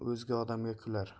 o'zga odamga kular